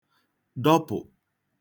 dọpụ̀